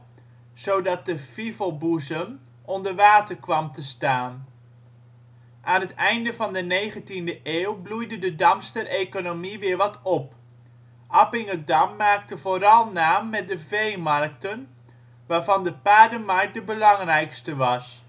zodat de Fivelboezem onderwater kwam te staan. Aan het einde van de 19e eeuw bloeide de Damster economie weer wat op. Appingedam maakte vooral naam met de veemarkten, waarvan de paardenmarkt de belangrijkste was